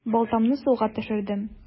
Балтамны суга төшердем.